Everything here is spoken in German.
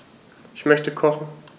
Ich möchte kochen.